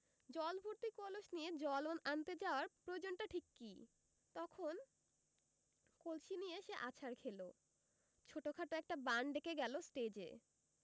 জল ভর্তি কলস নিয়ে জলন আনতে যাওয়ার প্রয়োজনটা ঠিক কি তখন কলসি নিয়ে সে আছাড় খেলো ছোটখাট একটা বান ডেকে গেল ষ্টেজে